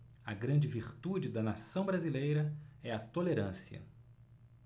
a grande virtude da nação brasileira é a tolerância